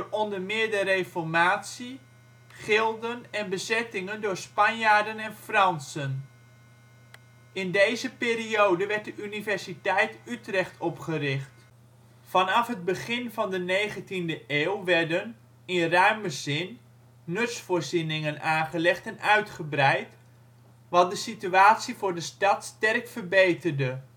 onder meer de reformatie, gilden en bezettingen door Spanjaarden en Fransen. In deze periode werd de Universiteit Utrecht opgericht. Vanaf het begin van de 19e eeuw werden, in ruime zin, nutsvoorzieningen aangelegd en uitgebreid, wat de situatie voor de stad sterk verbeterde